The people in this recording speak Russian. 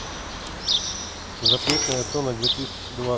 запретная зона две тысячи двадцать